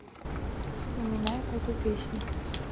вспоминает эту песню